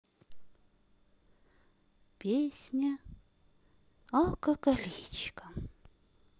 песня алкоголичка